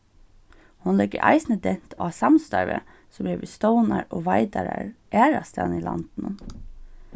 hon leggur eisini dent á samstarvið sum er við stovnar og veitarar aðrastaðni í landinum